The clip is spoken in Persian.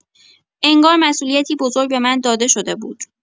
انگار مسئولیتی بزرگ به من داده شده بود.